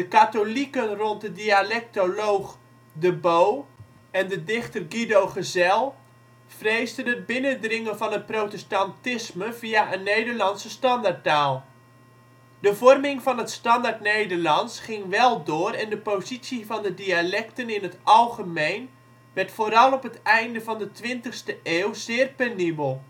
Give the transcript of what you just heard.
katholieken rond de dialectoloog De Bo en de dichter Guido Gezelle vreesden het binnendringen van het protestantisme via een Nederlandse standaardtaal. De vorming van het Standaardnederlands ging wel door en de positie van de dialecten in het algemeen werd vooral op het einde van de twintigste eeuw zeer penibel